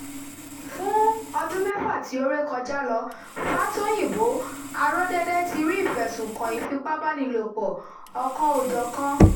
Fún ọdún mẹ́fà tí ó ré kọjá lọ, Fátóyìnbó aródẹ́dẹ́ ti rí ìfẹ̀sùnkàn ìfipábánilòpọ̀ ọ̀kan-ò-jọ̀kan.